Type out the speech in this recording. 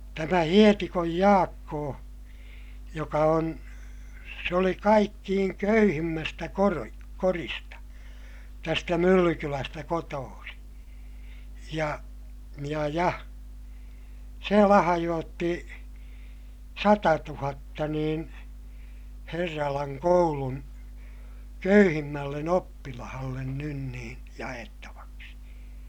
tämä Hietikon Jaakko joka on se oli kaikkein köyhimmästä - kodista tästä Myllykylästä kotoisin ja ja ja se lahjoitti satatuhatta niin Herralan koulun köyhimmälle oppilaalle nyt niin jaettavaksi